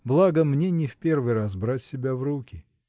благо, мне не в первый раз брать себя в руки.